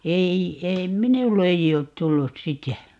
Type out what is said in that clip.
ei ei minulle ei ole tullut sitä